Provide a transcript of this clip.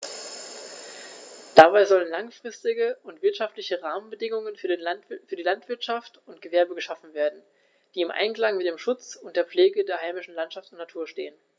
Dabei sollen langfristige und wirtschaftliche Rahmenbedingungen für Landwirtschaft und Gewerbe geschaffen werden, die im Einklang mit dem Schutz und der Pflege der heimischen Landschaft und Natur stehen.